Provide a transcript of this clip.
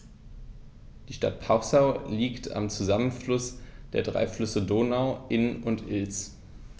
Die Stadt Passau liegt am Zusammenfluss der drei Flüsse Donau, Inn und Ilz.